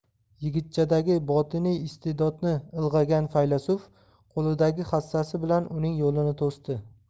yigitchadagi botiniy istedodni ilg'agan faylasuf qo'lidagi hassasi bilan uning yo'lini to'sdi